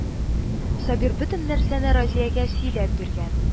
Сабир бөтен нәрсәне Разиягә сөйләп биргән